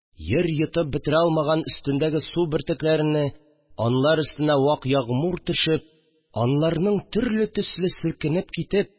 Йир йотып бетерә алмаган өстендәге су бөртекләрене, алар өстенә вак ягъмур төшеп, аларның төрле төсле селкенеп китеп